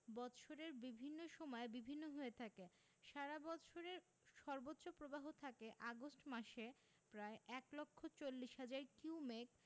বৎসরের বিভিন্ন সময়ে বিভিন্ন হয়ে থাকে সারা বৎসরের সর্বোচ্চ প্রবাহ থাকে আগস্ট মাসে প্রায় এক লক্ষ চল্লিশ হাজার কিউমেক